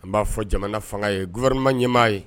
N b'a fɔ jamana fanga ye grma ɲɛmaa ye